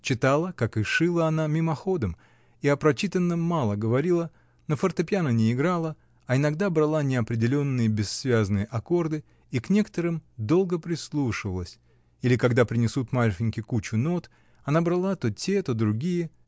Читала, как и шила она, мимоходом и о прочитанном мало говорила, на фортепиано не играла, а иногда брала неопределенные, бессвязные аккорды и к некоторым долго прислушивалась, или когда принесут Марфиньке кучу нот, она брала то те, то другие.